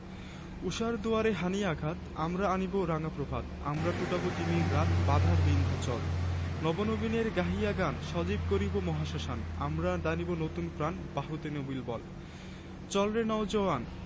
ঊষার দুয়ারে হানি আঘাত আমরা আনিব রাঙা প্রভাত আমরা টুটাব তিমির রাত বাধার বিন্ধ্যাচল নব নবীনের গাহিয়া গান সজীব করিব মহাশ্মশান আমরা দানিব নতুন প্রাণ বাহুতে নবীন বল চল রে নও জোয়ান